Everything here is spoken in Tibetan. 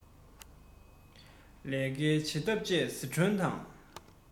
ལས ཀའི བྱེད ཐབས བཅས སི ཁྲོན དང